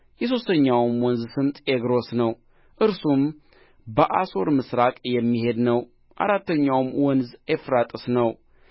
የሦስተኛውም ወንዝ ስም ጤግሮስ ነው እርሱም በአሦር ምሥራቅ የሚሄድ ነው አራተኛውም ወንዝ ኤፍራጥስ ነው